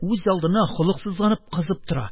Үз алдына холыксызланып, кызып тора.